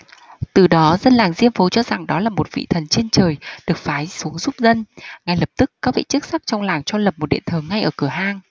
từ đó dân làng diêm phố cho rằng đó là một vị thần trên trời được phái xuống giúp dân ngay lập tức các vị chức sắc trong làng cho lập một điện thờ ngay cửa hang